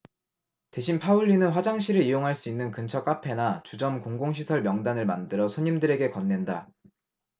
대신 파울리는 화장실을 이용할 수 있는 근처 카페나 주점 공공시설 명단을 만들어 손님들에게 건넨다